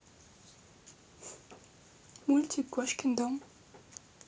мультик кошкин дом